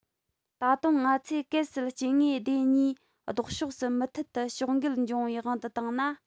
ད དུང ང ཚོས གལ སྲིད སྐྱེ དངོས སྡེ གཉིས ལྡོག ཕྱོགས སུ མུ མཐུད དུ ཕྱོགས འགལ འབྱུང བའི དབང དུ བཏང ན